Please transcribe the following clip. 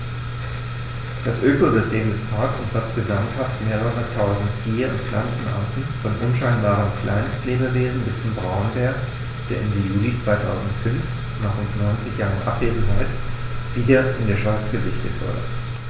Das Ökosystem des Parks umfasst gesamthaft mehrere tausend Tier- und Pflanzenarten, von unscheinbaren Kleinstlebewesen bis zum Braunbär, der Ende Juli 2005, nach rund 90 Jahren Abwesenheit, wieder in der Schweiz gesichtet wurde.